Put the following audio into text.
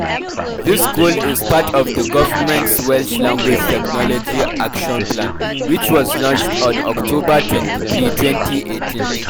This goal is part of the government's Welsh Language Technology Action Plan, which was launched on October 23, 2018.